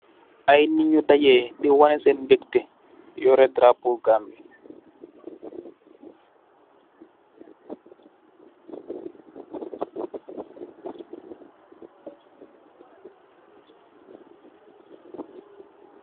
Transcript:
Ay nit yu dajjeh di waneh sèèn mbekteh yoreh darapóó Gambi.